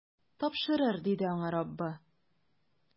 Тапшырыр, - диде аңа Раббы.